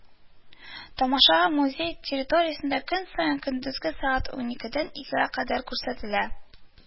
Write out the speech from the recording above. Тамаша музей территориясендә көн саен көндезге сәгать уникедән икегә кадәр күрсәтелә